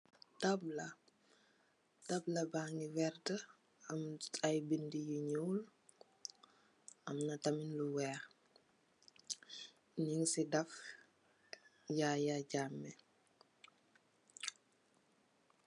Tabla, tabla ba ngi werta am ay bindi yu ñuul am na tamid yu wèèx, ñing ci dèf Yaya Jammeh.